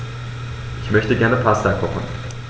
Ich möchte gerne Pasta kochen.